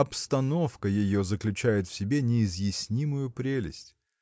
обстановка ее заключает в себе неизъяснимую прелесть.